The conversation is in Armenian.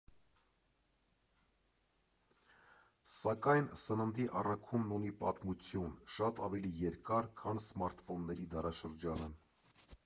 Սակայն սննդի առաքումն ունի պատմություն՝ շատ ավելի երկար, քան սմարթֆոնների դարաշրջանը։